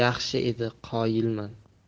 yaxshi edi qoyilman